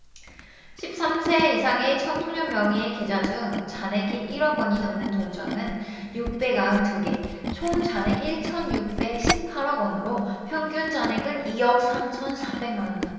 십 삼 세 이상의 청소년 명의의 계좌 중 잔액이 일 억원이 넘는 통장은 육백 아흔 두 개 총 잔액 일 천 육백 십 팔 억원으로 평균 잔액은 이 억 삼 천 사백 만원이었다